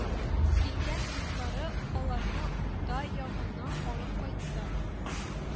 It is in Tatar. Килгән юллары аларны урда ягына алып кайтты